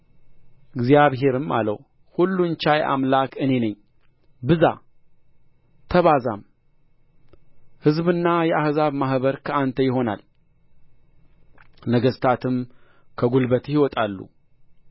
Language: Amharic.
እግዚአብሔርም አለው ሁሉን ቻይ አምላክ እኔ ነኝ ብዛ ተባዛም ሕዝብና የአሕዛብ ማኅበር ከአንተ ይሆናል ነገሥታትም ከጕልበትህ ይወጣሉ